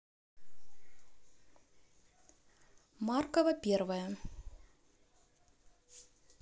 маркова первая